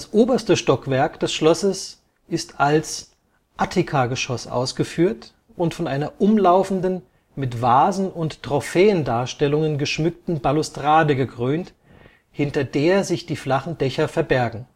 oberste Stockwerk des Schlosses ist als Attikageschoss ausgeführt und von einer umlaufenden, mit Vasen und Trophäendarstellungen geschmückten Balustrade gekrönt, hinter der sich die flachen Dächer verbergen